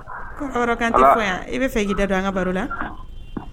Kan tɛ yan i bɛa fɛ' da an ka baro la